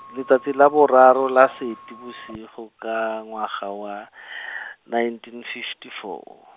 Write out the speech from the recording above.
letsatsi la boraro la Seetebosigo ka ngwaga wa , ninteen fifty four.